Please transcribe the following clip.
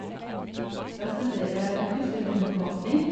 At jeg studerer kulturminneforvaltning.